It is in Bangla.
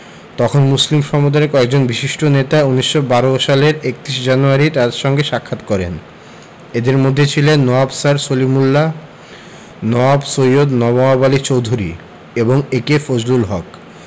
তখন মুসলিম সম্প্রদায়ের কয়েকজন বিশিষ্ট নেতা ১৯১২ সালের ৩১ জানুয়ারি তাঁর সঙ্গে সাক্ষাৎ করেন এঁদের মধ্যে ছিলেন নওয়াব স্যার সলিমুল্লাহ নওয়াব সৈয়দ নবাব আলী চৌধুরী এবং এ.কে ফজলুল হক